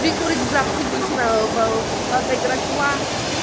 Dwi'n gwybod exactly pwy ti'n meddwl, fel, ma' fe gyda gwallt...